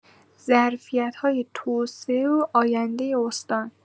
ظرفیت‌های توسعه و آینده استان